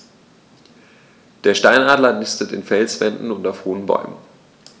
Der Steinadler nistet in Felswänden und auf hohen Bäumen.